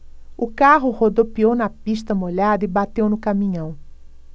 o carro rodopiou na pista molhada e bateu no caminhão